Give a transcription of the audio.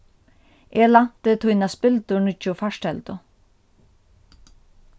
eg lænti tína spildurnýggju farteldu